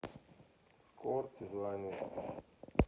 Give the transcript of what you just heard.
скорти звонит